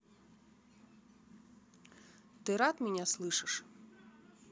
ты рад меня слышишь